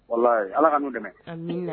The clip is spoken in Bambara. Wala ala ka'u dɛmɛ